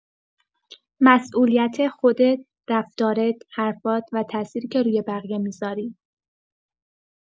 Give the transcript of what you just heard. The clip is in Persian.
مسئولیت خودت، رفتارت، حرفات و تاثیری که روی بقیه می‌ذاری.